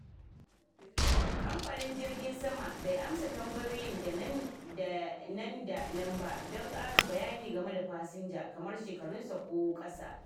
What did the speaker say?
Kamfanin jirgin sama bai amsa tambayoyin nan da nan ba don ƙarin bayani game da fasinja, kamar shekarunsa ko kasa